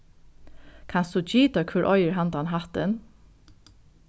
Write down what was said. kanst tú gita hvør eigur handan hattin